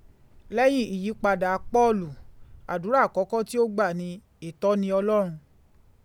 Lẹ́hìn ìyípadà Pọ́ọ̀lù, àdúrà àkọ́kọ́ tí ó gbà ni, ìtọ́ni Ọlọ́run.